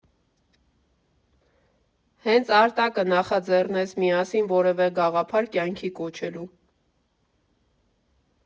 Հենց Արտակը նախաձեռնեց միասին որևէ գաղափար կյանքի կոչելու։